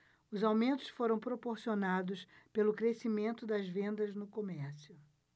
os aumentos foram proporcionados pelo crescimento das vendas no comércio